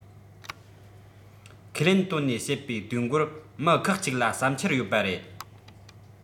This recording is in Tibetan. ཁས ལེན བཏོན ནས བྱེད པའི དུས འགོར མི ཁག གཅིག ལ བསམ འཆར ཡོད པ རེད